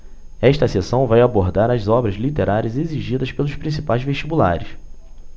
esta seção vai abordar as obras literárias exigidas pelos principais vestibulares